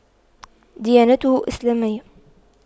ديانته إسلامية